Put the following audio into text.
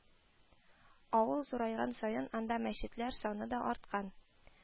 Авыл зурайган саен анда мәчетләр саны да арткан